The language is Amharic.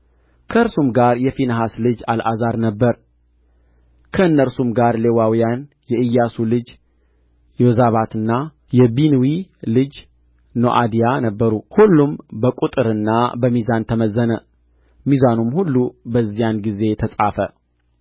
ከእርሱም ጋር የፊንሐስ ልጅ አልዓዛር ነበረ ከእነርሱም ጋር ሌዋውያን የኢያሱ ልጅ ዮዛባትና የቢንዊ ልጅ ኖዓድያ ነበሩ ሁሉም በቍጥርና በሚዛን ተመዘነ ሚዛኑም ሁሉ በዚያን ጊዜ ተጻፈ